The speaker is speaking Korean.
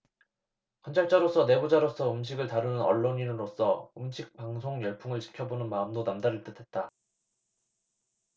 관찰자로서 내부자로서 음식을 다루는 언론인으로서 음식 방송 열풍을 지켜보는 마음도 남다를 듯했다